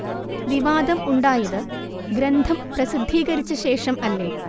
വിവാദം ഉണ്ടായത് ഗ്രന്ഥം പ്രസിദ്ധീകരിച്ച ശേഷം അല്ലേ